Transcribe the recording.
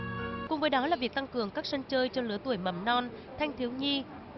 cùng với đó là việc tăng cường các sân chơi cho lứa tuổi mầm non thanh thiếu nhi